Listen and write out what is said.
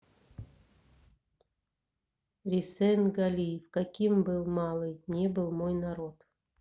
risen галиев каким был малый не был мой народ